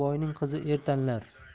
boyning qizi er tanlar